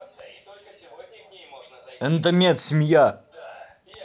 эндомед семья